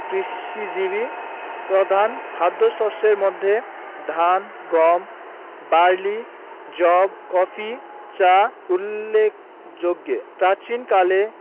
কৃষিজীবী প্রধান খাদ্যশস্যের মধ্যে ধান গম বার্লি যব কফি চা উল্লেখযোগ্য প্রাচীনকাল